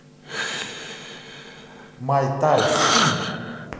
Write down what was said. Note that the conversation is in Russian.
май тойс пинк